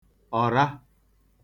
ọ̀ra